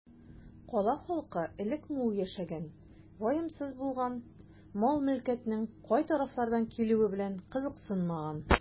Кала халкы элек мул яшәгән, ваемсыз булган, мал-мөлкәтнең кай тарафлардан килүе белән кызыксынмаган.